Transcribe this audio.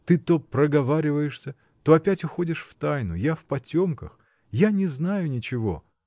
Ты то проговариваешься, то опять уходишь в тайну: я в потемках, я не знаю ничего.